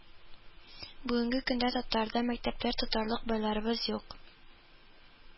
Бүгенге көндә татарда мәктәпләр тотарлык байларыбыз юк